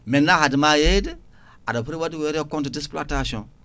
maintenant haadema yeyde a foti wadde ko wiyete compte d' exploitation